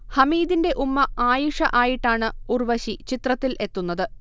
ഹമീദിന്റെ ഉമ്മ ആയിഷ ആയിട്ടാണ് ഉർവശി ചിത്രത്തിൽ എത്തുന്നത്